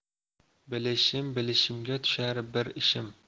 bilishim bilishimga tushar bir ishim